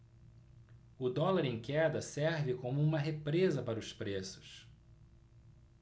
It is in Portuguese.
o dólar em queda serve como uma represa para os preços